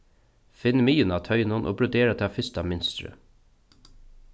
finn miðjuna á toynum og brodera tað fyrsta mynstrið